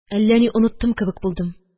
Әллә ни оныттым кебек булдым